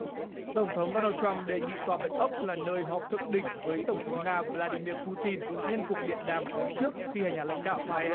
tổng thống đô nan trăm đề nghị tòa bạch ốc là nơi họp thượng đỉnh với tổng thống nga vờ la đi mia pu tin nhân cuộc điện đàm tháng trước khi hai nhà lãnh đạo thảo